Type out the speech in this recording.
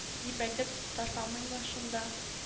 — дип әйтеп ташламыйммы шунда